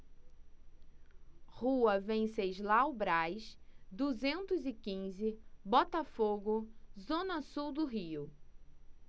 rua venceslau braz duzentos e quinze botafogo zona sul do rio